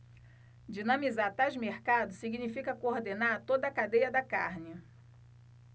dinamizar tais mercados significa coordenar toda a cadeia da carne